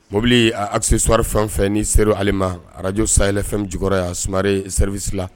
Mobili a accessoires fɛn o fɛn ni sera ale ma radio sahel FM jukɔrɔ yan Sumare